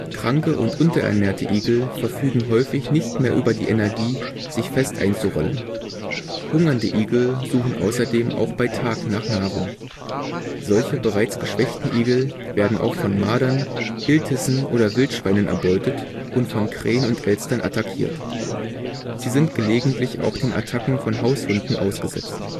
Kranke und unterernährte Igel verfügen häufig nicht mehr über die Energie, sich fest einzurollen. Hungernde Igel suchen außerdem auch bei Tag nach Nahrung. Solche bereits geschwächten Igel werden auch von Mardern, Iltissen oder Wildschweinen erbeutet und von Krähen und Elstern attackiert. Sie sind gelegentlich auch den Attacken von Haushunden ausgesetzt